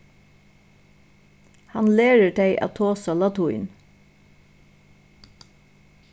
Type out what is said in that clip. hann lærir tey at tosa latín